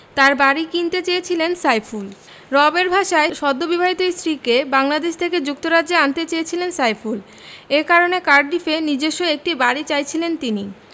তাঁর বাড়ি কিনতে চেয়েছিলেন সাইফুল রবের ভাষায় সদ্যবিবাহিত স্ত্রীকে বাংলাদেশ থেকে যুক্তরাজ্যে আনতে চেয়েছিলেন সাইফুল এ কারণে কার্ডিফে নিজস্ব একটি বাড়ি চাইছিলেন তিনি